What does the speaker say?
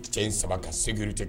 Be cɛ in saba ka sécurité